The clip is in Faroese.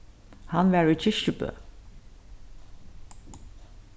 hann var í kirkjubø